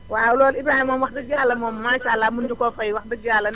waaw loolu Ibrahima moom wax dëgg Yàlla moom maa sàllaa mënuñu koo fay wax dëgg Yàlla